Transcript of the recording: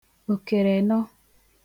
òkèrènọ